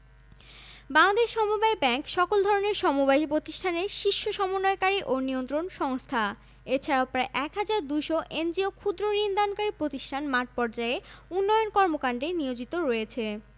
বাংলাদেশ সমবায় ব্যাংক সকল ধরনের সমবায় প্রতিষ্ঠানের শীর্ষ সমন্বয়কারী ও নিয়ন্ত্রণ সংস্থা এছাড়াও প্রায় ১ হাজার ২০০ এনজিও ক্ষুদ্র্ ঋণ দানকারী প্রতিষ্ঠান মাঠপর্যায়ে উন্নয়ন কর্মকান্ডে নিয়োজিত রয়েছে